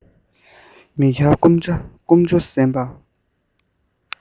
མི འཁྱར ཀུ ཅོ གཟན པ